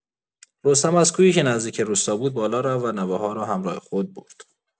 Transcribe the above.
رستم از کوهی که نزدیک روستا بود بالا رفت و نوه‌ها را همراه خود برد.